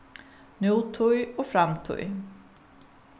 nútíð og framtíð